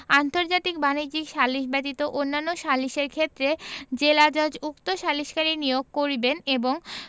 আন্তর্জাতিক বাণিজ্যিক সালিস ব্যতীত অন্যান্য সালিসের ক্ষেত্রে জেলাজজ উক্ত সালিসকারী নিয়োগ করিবেন এবং